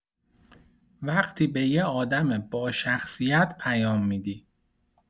وقتی به یه آدم باشخصیت پیام می‌دی